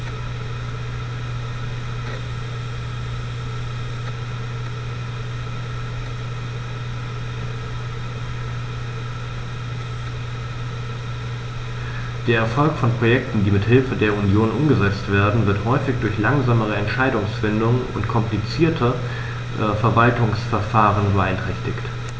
Der Erfolg von Projekten, die mit Hilfe der Union umgesetzt werden, wird häufig durch langsame Entscheidungsfindung und komplizierte Verwaltungsverfahren beeinträchtigt.